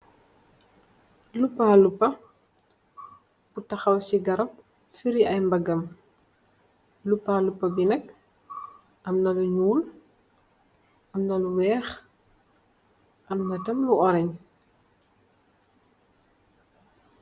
Lupa lupa bu taxaw ci garap fereh ay mbagam. Lupa lupa bi nak am na lu ñuul am an wèèx am na tam lu oraan.